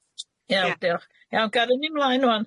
Iawn diolch. Iawn gariwn ni mlaen ŵan.